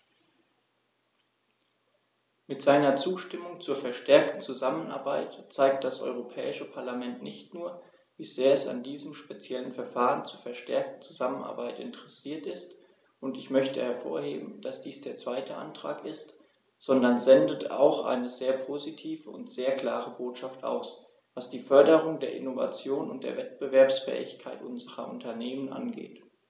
Mit seiner Zustimmung zur verstärkten Zusammenarbeit zeigt das Europäische Parlament nicht nur, wie sehr es an diesem speziellen Verfahren zur verstärkten Zusammenarbeit interessiert ist - und ich möchte hervorheben, dass dies der zweite Antrag ist -, sondern sendet auch eine sehr positive und sehr klare Botschaft aus, was die Förderung der Innovation und der Wettbewerbsfähigkeit unserer Unternehmen angeht.